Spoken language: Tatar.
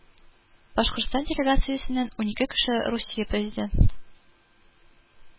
Башкортстан делегациясеннән унике кеше Русия Президент